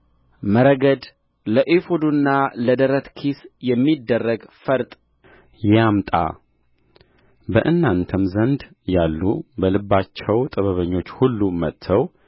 መረግድ ለኤፉዱና ለደረት ኪስ የሚደረግ ፈርጥ ያምጣ በእናንተም ዘንድ ያሉ በልባቸው ጥበበኞች ሁሉ መጥተው